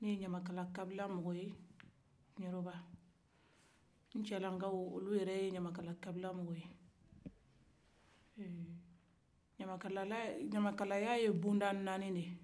ne ye ɲamakala kabila mɔgɔ ye ncɛlankaw o lu yɛrɛ ye ɲamakala kabila mɔgɔ ye ɲamakalaya ye bonda nani de ye